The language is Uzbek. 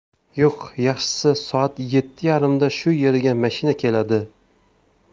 yo'q yaxshisi soat yetti yarimda shu yerga mashina keladi